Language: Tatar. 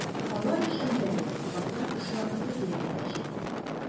Алар өчен дә әле катырак эш вакыты килеп җитәчәк.